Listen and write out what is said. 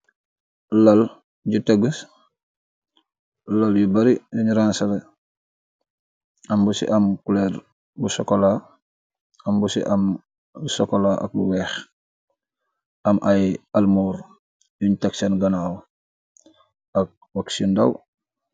Lal ju tëgus, lal yu bari rinurensare, am bu ci am kuleer, am bu ci am b sokola, ak bu weex, am ay almoor yuñ tag seen ganaaw, ak wak yu ndaw.